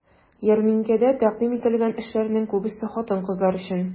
Ярминкәдә тәкъдим ителгән эшләрнең күбесе хатын-кызлар өчен.